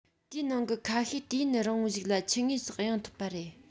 དེའི ནང གི ཁ ཤས དུས ཡུན རིང བོ ཞིག ལ ཆུ ངོས སུ གཡེང ཐུབ པ རེད